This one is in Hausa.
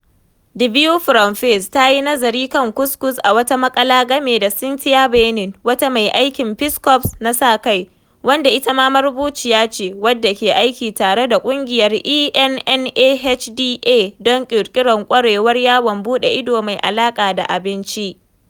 The View from Fez ta yi nazari kan couscous a wata maƙala game da Cynthia Berning, wata mai aikin Peace Corps na sa kai(wanda ita ma marubuciya ce), wadda ke aiki tare da Ƙungiyar ENNAHDA don ƙirƙirar ƙwarewar yawon buɗe ido mai alaƙa da abinci.